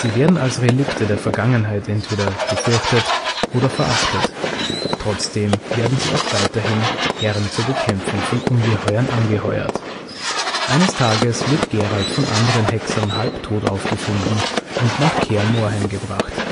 werden als Relikte der Vergangenheit entweder gefürchtet oder verachtet, trotzdem werden sie auch weiterhin gern zur Bekämpfung von Ungeheuern angeheuert. Eines Tages wird Geralt von anderen Hexern halbtot aufgefunden und nach Kaer Morhen gebracht